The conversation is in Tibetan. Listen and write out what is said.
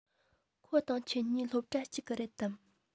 ཁོ དང ཁྱོད གཉིས སློབ གྲྭ གཅིག གི རེད དམ